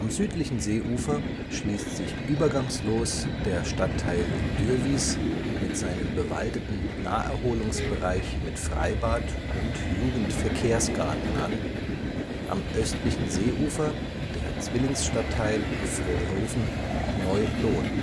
südlichen Seeufer schließt sich übergangslos der Stadtteil Dürwiß mit seinem bewaldeten Naherholungsbereich mit Freibad und Jugendverkehrsgarten an, am östlichen Seeufer der Zwillingsstadtteil Fronhoven/Neu-Lohn